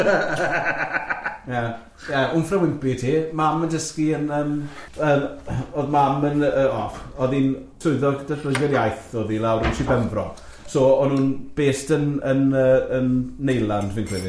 Ie, ie, Wmfra Wimpy ti, mam yn dysgu yn yym, yn oedd mam yn yy oedd hi'n swyddog datblygu'r iaith oedd hi lawr yn Shibenfro, so o'n nhw'n based yn yn yy yn Neiland, fi'n credu.